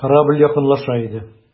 Корабль якынлаша иде.